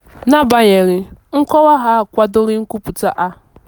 N'agbanyeghị, nkọwa ha akwadoghị nkwupụta ha: